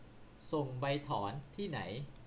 ส่งใบถอนที่ไหน